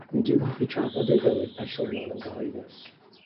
ac nid yw'n hoffi trafod ei fywyd personol yn gyhoeddus.